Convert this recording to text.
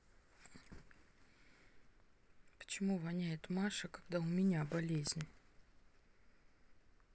почему воняет маша когда у меня болезнь